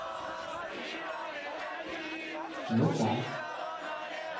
ну там